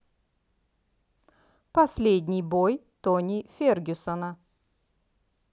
последний бой тони фергюсона